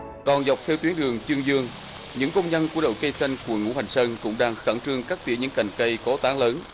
còn dọc theo tuyến đường chương dương những công dân của đội cây xanh quận ngũ hành sơn cũng đang khẩn trương cắt tỉa những cành cây có tán lớn